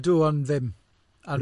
Ydw ond ddim, ar-.